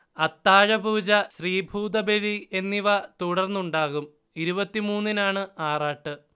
അത്താഴപൂജ, ശ്രീഭൂതബലി എന്നിവ തുടർന്നുണ്ടാകും ഇരുപത്തിമൂന്നിനാണ് ആറാട്ട്